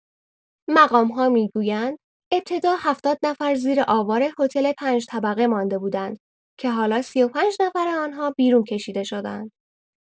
مقام‌ها می‌گویند ابتدا ۷۰ نفر زیر آوار هتل پنج‌طبقه مانده بودند که حالا ۳۵ نفر آنها بیرون کشیده شده‌اند.